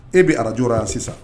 E bɛ radio la yan sisan.